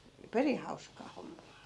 perin hauskaa hommaa